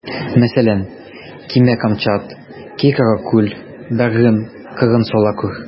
Мәсәлән: Кимә камчат, ки каракүл, бәгърем, кырын сала күр.